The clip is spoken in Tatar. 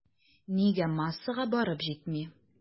Нигә массага барып җитми?